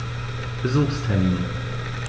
Besuchstermin